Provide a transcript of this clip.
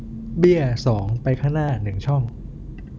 เบี้ยสองไปข้างหน้าหนึ่งช่อง